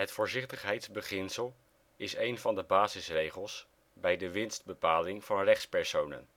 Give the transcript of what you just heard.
voorzichtigheidsbeginsel is een van de basisregels bij de winstbepaling van rechtspersonen